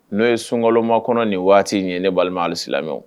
N'o ye sunkalɔma kɔnɔ nin waati in ye ne balima halialisi lamɛn